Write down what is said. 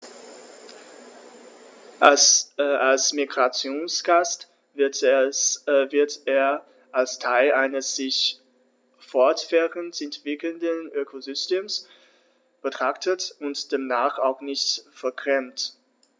Als Migrationsgast wird er als Teil eines sich fortwährend entwickelnden Ökosystems betrachtet und demnach auch nicht vergrämt.